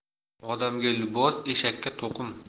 odamga libos eshakka to'qim